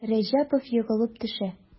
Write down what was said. Рәҗәпов егылып төшә.